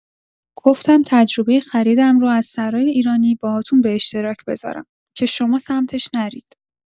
گفتم تجربۀ خریدم رو از سرای ایرانی باهاتون به اشتراک بزارم که شما سمتش نرید.